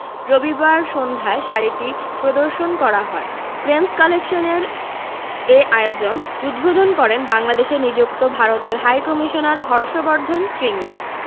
রবিবার সন্ধ্যায় শাড়িটি প্রদর্শন করা হয় প্রেমস কালেকশনের এ আয়োজন উদ্বোধন করেন বাংলাদেশে নিযুক্ত ভারতের হাইকমিশনার হর্ষ বর্ধন শ্রিংলা